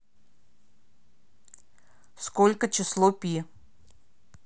сколько число пи